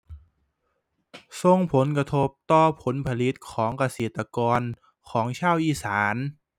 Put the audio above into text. ส่งผลกระทบต่อผลผลิตของเกษตรกรของชาวอีสาน